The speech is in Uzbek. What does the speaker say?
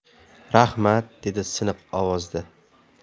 rahmat dedi siniq ovozda